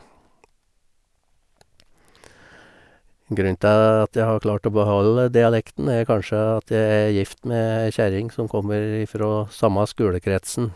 Grunnen til at jeg har klart å beholde dialekten, er kanskje at jeg er gift med ei kjerring som kommer ifra samme skolekretsen.